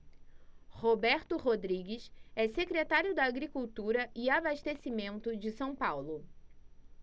roberto rodrigues é secretário da agricultura e abastecimento de são paulo